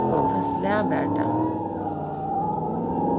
hvat slag var tað